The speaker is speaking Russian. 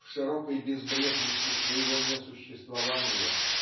в широкой безбрежности своего несуществования